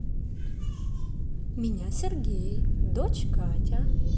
меня сергей дочь катя